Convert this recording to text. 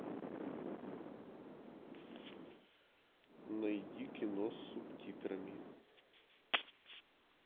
найди кино с субтитрами